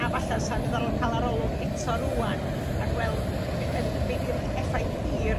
a falla' 'sa'n ddiddorol ca'l arolwg eto rŵan a gweld be 'di'r effaith hir